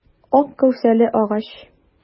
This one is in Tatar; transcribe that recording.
Ак кәүсәле агач.